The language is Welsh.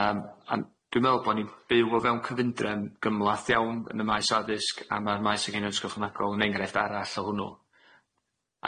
Yym a'n dwi me'wl bo' ni'n byw o fewn cyfundrefn gymlath iawn yn y maes addysg a ma'r maes anghenion ychwanegol yn enghraifft arall o hwnnw.